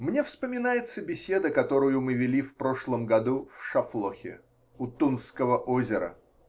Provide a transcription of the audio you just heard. Мне вспоминается беседа, которую мы вели в прошлом году в Шафлохе, у Тунского озера.